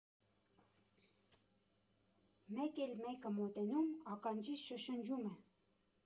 Մեկ էլ մեկը մոտենում, ականջիս շշնջում է.